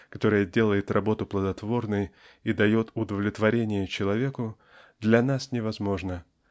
которое делает работу плодотворной и дает удовлетворение человеку для нас невозможно